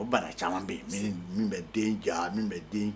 O bana caman bɛ min bɛ den ja min bɛ den ja